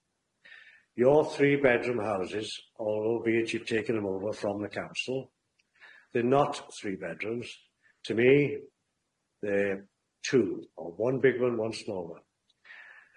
Your three bedroom houses, all will be achieved taking them over from the council, they're not three bedrooms, to me they're two, or one big one, one small one.